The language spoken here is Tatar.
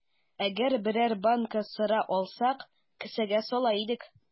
Әгәр берәр банка сыра алсак, кесәгә сала идек.